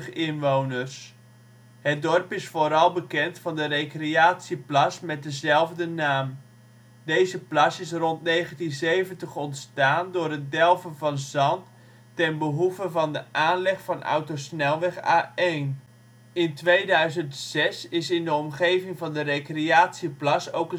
inwoners. Het dorp is vooral bekend van de recreatieplas met dezelfde naam. Deze plas is rond 1970 ontstaan door het delven van zand ten behoeve van de aanleg van autosnelweg A1. In 2006 is in de omgeving van de recreatieplas ook